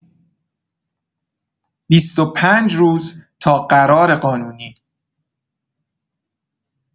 ۲۵ روز تا قرار قانونی